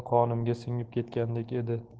qonimga singib ketgandek edi